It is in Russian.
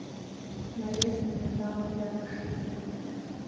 навес из металла для машины